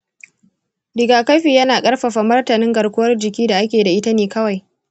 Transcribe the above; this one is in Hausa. rigakafi yana ƙarfafa martanin garkuwar jiki da ake da ita ne kawai.